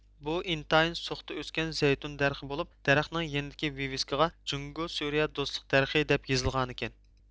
بۇ ئىنتايىن سوختا ئۆسكەن زەيتۇن دەرىخى بولۇپ دەرەخنىڭ يېنىدىكى ۋىۋىسكىغا جۇڭگو سۈرىيە دوستلۇق دەرىخى دەپ يېزىلغانىكەن